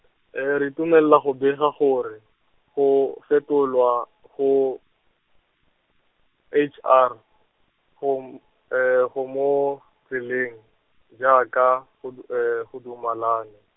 re itumelela go bega gore, go, fetolwa go, H R, go m-, go mo tseleng, jaaka go du- , go dumalane.